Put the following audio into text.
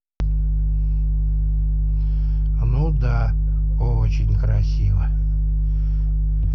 ну да очень красиво